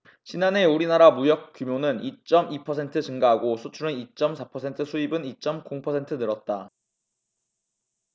지난해 우리나라 무역 규모는 이 쩜 이 퍼센트 증가하고 수출은 이 쩜 사 퍼센트 수입은 이 쩜 공 퍼센트 늘었다